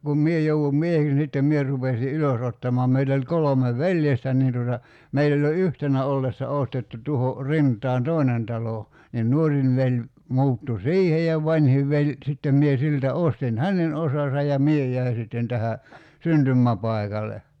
kun minä jouduin mieheksi niin sitten minä rupesin ylösottamaan meitä oli kolme veljestä niin tuota meillä oli jo yhtenä ollessa ostettu tuohon rintaan toinen talo niin nuorin veli muuttui siihen ja vanhin veli sitten minä siltä ostin hänen osansa ja minä jäin sitten tähän syntymäpaikalle